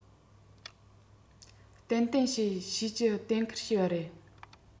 ཏན ཏན བྱེད ཤེས ཀྱི གཏན འཁེལ བྱས པ རེད